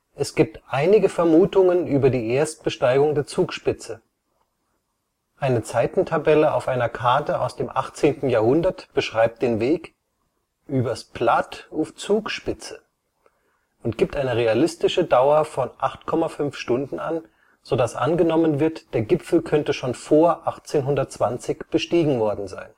Es gibt einige Vermutungen über die Erstbesteigung der Zugspitze. Eine Zeitentabelle auf einer Karte aus dem 18. Jahrhundert beschreibt den Weg „ ybers blath uf Zugspitze “und gibt eine realistische Dauer von 8,5 h an, so dass angenommen wird, der Gipfel könnte schon vor 1820 bestiegen worden sein